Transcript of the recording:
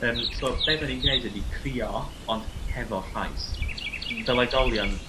Yym so be' 'dan ni'n gneud ydi crio ond hefo llais... Hmm. ...fel oedolion